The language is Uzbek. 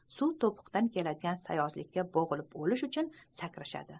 suv to'piqdan keladigan sayozlikka bo'g'ilib o'lish uchun sakrashadi